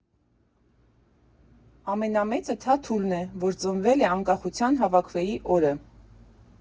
Ամենամեծը Թաթուլն է, որ ծնվել է Անկախության հանրաքվեի օրը։